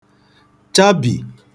chabì